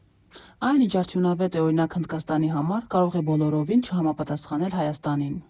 «Այն, ինչ արդյունավետ է, օրինակ, Հնդկաստանի համար, կարող է բոլորովին չհամապատասխանել Հայաստանին։